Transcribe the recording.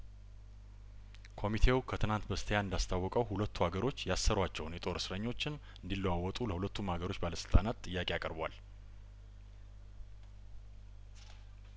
ኮሚቴው ከትናንት በስቲያእንዳስታወቀው ሁለቱ አገሮች ያሰ ሯቸውን የጦር እስረኞችን እንዲ ለዋወጡ ለሁለቱም አገሮች ባለስልጣናት ጥያቄ አቅርቧል